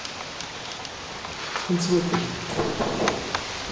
танцевать под стриптиз